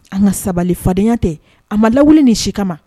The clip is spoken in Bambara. An ka sabali fadenyaya tɛ a ma lawu ni si kama